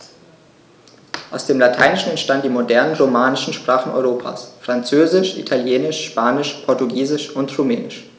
Aus dem Lateinischen entstanden die modernen „romanischen“ Sprachen Europas: Französisch, Italienisch, Spanisch, Portugiesisch und Rumänisch.